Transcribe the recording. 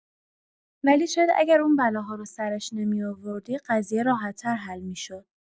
ولی شاید اگه اون بلاها رو سرش نمی‌آوردی قضیه راحت‌تر حل می‌شد.